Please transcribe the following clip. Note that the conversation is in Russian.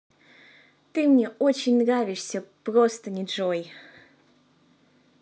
ты мне очень нравишься просто не джой